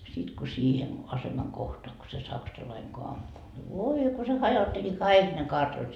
sitten kun siihen aseman kohtaan kun se saksalainen kun ampui voi kun se hajotteli kaikki ne kartanot